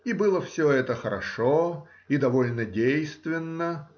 И было все это хорошо и довольно действенно